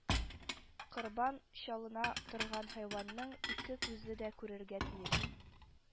Корбан чалына торган хайванның ике күзе дә күрергә тиеш